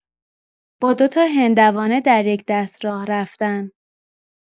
با دوتا هندوانه در یک دست راه‌رفتن